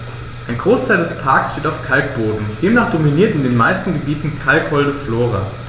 Ein Großteil des Parks steht auf Kalkboden, demnach dominiert in den meisten Gebieten kalkholde Flora.